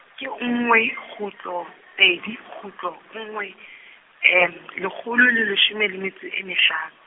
ke nngwe, kgutlo pedi, kgutlo nngwe, lekgolo le leshome le metso e mehlano.